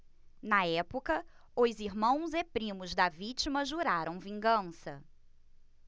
na época os irmãos e primos da vítima juraram vingança